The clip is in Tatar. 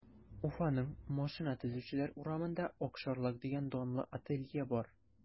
Уфаның Машина төзүчеләр урамында “Акчарлак” дигән данлы ателье бар.